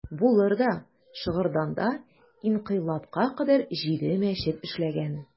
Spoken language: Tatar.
Булыр да, Шыгырданда инкыйлабка кадәр җиде мәчет эшләгән.